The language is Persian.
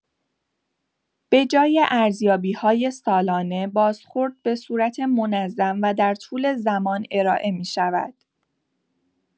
به‌جای ارزیابی‌های سالانه، بازخورد به‌صورت منظم و در طول زمان ارائه می‌شود.